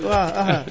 waaw ah ha